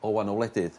o wanol wledydd